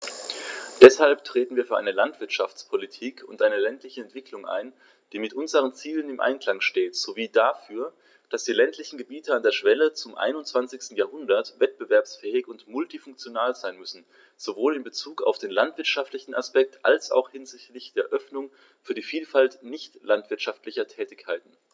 Deshalb treten wir für eine Landwirtschaftspolitik und eine ländliche Entwicklung ein, die mit unseren Zielen im Einklang steht, sowie dafür, dass die ländlichen Gebiete an der Schwelle zum 21. Jahrhundert wettbewerbsfähig und multifunktional sein müssen, sowohl in bezug auf den landwirtschaftlichen Aspekt als auch hinsichtlich der Öffnung für die Vielfalt nicht landwirtschaftlicher Tätigkeiten.